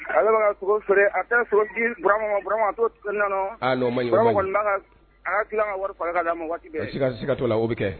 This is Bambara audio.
Ago a dimama a' tila ka wari fara si ka to la o bɛ kɛ